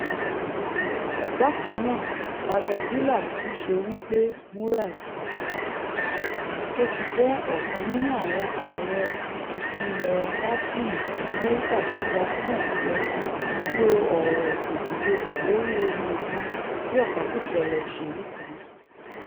Bákannáà Calzadilla tún ṣẹ́ wí pé Morales - tó sí jẹ ọ̀kan nínú àwọn ààrẹ̀ ilẹ Latinni Amẹ́ríkà tó gbajúmọ̀ jùlọ - ńlo ọ̀rọ̀ ìgbòke-gbodò lórí omi òkun bí ọ̀pákùtẹ̀lẹ̀ òṣèlú kan.